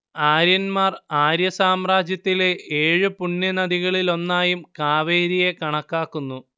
ആര്യന്മാർ ആര്യസാമ്രാജ്യത്തിലെ ഏഴു പുണ്യ നദികളിലൊന്നായും കാവേരിയെ കണക്കാക്കുന്നു